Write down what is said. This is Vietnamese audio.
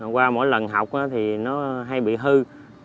qua mỗi lần học á thì nó hay bị hư